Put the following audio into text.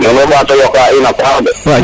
nuun way mbato yoqa ina paax de